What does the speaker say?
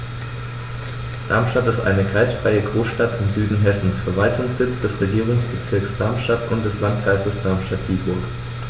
Darmstadt ist eine kreisfreie Großstadt im Süden Hessens, Verwaltungssitz des Regierungsbezirks Darmstadt und des Landkreises Darmstadt-Dieburg.